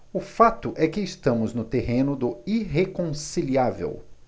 o fato é que estamos no terreno do irreconciliável